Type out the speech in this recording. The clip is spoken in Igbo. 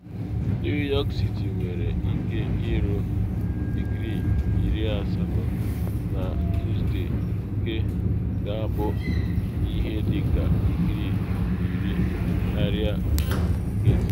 New York City nwere ike iru digrii 80 na Tusde, nke ga-abụ ihe dị ka digrii 10 karịa nkezi.